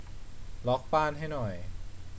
ล็อคบ้านให้หน่อย